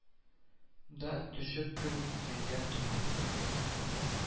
Да төш кебек зәңгәр томан